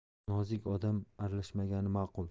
nozik odam aralashmagani maqul